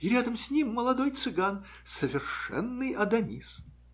И рядом с ним молодой цыган - совершенный Адонис.